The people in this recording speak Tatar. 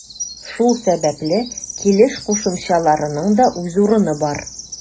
Шул сәбәпле килеш кушымчаларының да үз урыны бар.